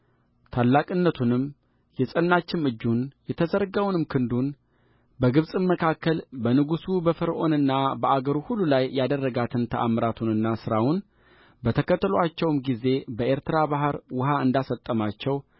ታላቅነቱንም የጸናችም እጁን የተዘረጋውንም ክንዱንበግብፅም መካከል በንጉሡ በፈርዖንና በአገሩ ሁሉ ላይ ያደረጋትን ተአምራቱንና ሥራውንበተከተሉአችሁም ጊዜ በኤርትራ ባሕር ውኃ እንዳሰጠማቸው